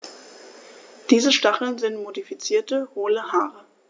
Diese Stacheln sind modifizierte, hohle Haare.